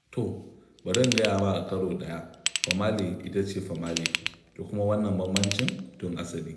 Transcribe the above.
To, bari in gaya ma a karo ɗaya, "famalay" ita ce "famalay" da kuma wannan bambancin tun asali